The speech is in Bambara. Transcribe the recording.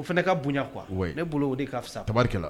O fana ka bonya quoi wa ne bolo o de ka fisa tbaarika la